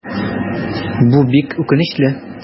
Бу бик үкенечле.